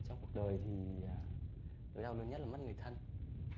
trong cuộc đời thì nỗi đau lớn nhất là mất người thân